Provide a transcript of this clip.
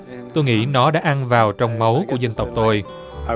tôi nghĩ nó đã ăn vào trong máu của dân tộc tôi